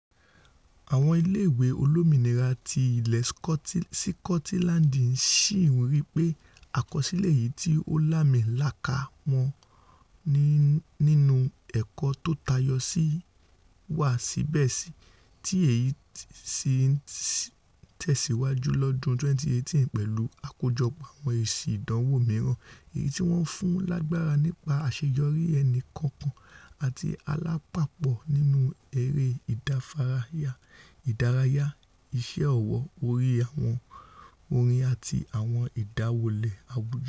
Àwọn ilé ìwé olómìnira ti ilẹ̀ Sikọtiland ńsì ríipé àkọsílẹ̀ èyití o lààmì-laaka wọn nínú ẹ̀kọ́ tótayọ sì wà síbẹ̀, tí èyí sì ńtẹ̀síwájú lọ́dún 2018 pẹ̀lú àkójọpọ̀ àwọn èsì ìdánwò mìíràn, èyití wọ́n fún lágbára nípa àṣeyọrí ẹnìkọ̀òkan àti alápapọ̀ nínú eré ìdárayá, iṣẹ́-ọwọ́, orin àti àwọn ìdáwọlé àwùjọ.